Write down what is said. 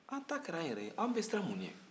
an ta kɛra an yɛrɛ ye an bɛ siran mun ye